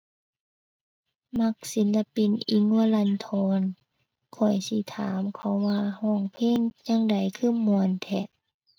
มักศิลปิน อิ้งค์ วรันธร ข้อยสิถามเขาว่าร้องเพลงจั่งใดคือม่วนแท้